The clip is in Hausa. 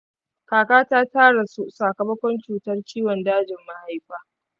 kakata ta rasu sakamakon cutar ciwon dajin mahaifa.